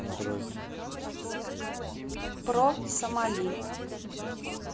про сомали